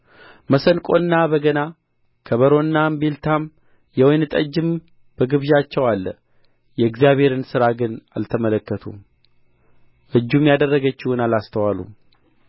መሰንቆና በገና ከበሮና እምቢልታም የወይን ጠጅም በግብዣቸው አለ የእግዚአብሔርን ሥራ ግን አልተመለከቱም እጁም ያደረገችውን አላስተዋሉም